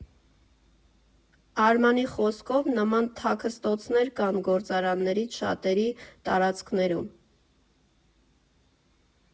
Արմանի խոսքով, նման թաքստոցներ կան գործարաններից շատերի տարածքներում։